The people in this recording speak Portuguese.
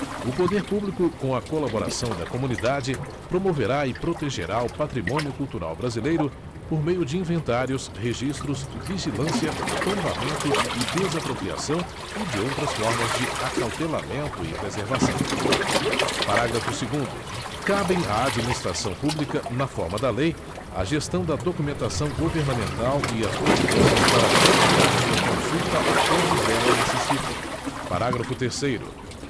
o poder público com a colaboração da comunidade promoverá e protegerá o patrimônio cultural brasileiro por meio de inventários registros vigilância tombamento e desapropriação e de outras formas de acautelamento e preservação parágrafo segundo cabem à administração pública na forma da lei a gestão da documentação governamental e as providências para franquear sua consulta a quantos dela necessitem parágrafo terceiro